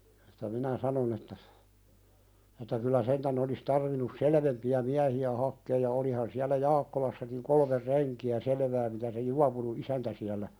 että minä sanoin että että kyllä sentään olisi tarvinnut selvempiä miehiä hakemaan ja olihan siellä Jaakkolassakin kolme renkiä selvää mitä se juopunut isäntä siellä